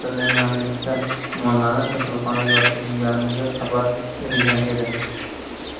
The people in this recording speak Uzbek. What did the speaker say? kasallanganlikda gumonlanib kasalxonaga yotqizilgani xabar berilgan edi